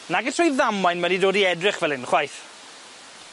nage trwy ddamwain ma' 'di dod i edrych fel 'yn chwaith.